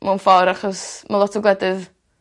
mewn ffor achos ma' lot o gwledydd